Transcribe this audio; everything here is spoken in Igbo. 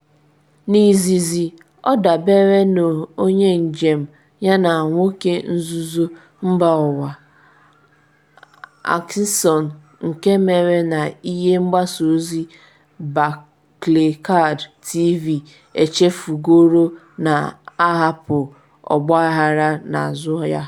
N’izizi ọ dabere n’onye njem yana nwoke nzuzo mba ụwa Atkinson nke emere na ihe mgbasa ozi Barclaycard TV echefugoro, na-ahapu ọgbaghara n’azụ ya.